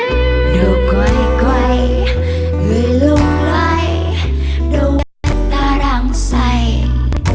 điều quay quay người lung lay đâu uống ta đang say